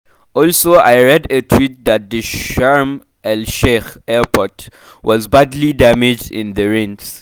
Also I read a tweet that the Sharm El-Sheikh airport was badly damaged in the rains !